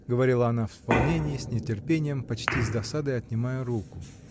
— говорила она в волнении, с нетерпением, почти с досадой отнимая руку.